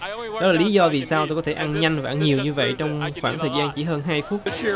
đó là lý do vì sao tôi có thể ăn nhanh và nhiều như vậy trong khoảng thời gian chỉ hơn hai phút